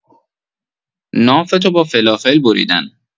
نافتو با فلافل بریدن